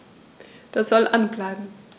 Das soll an bleiben.